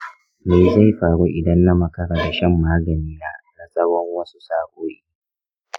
me zai faru idan na makara da shan maganina na tsawon wasu sa'o'i?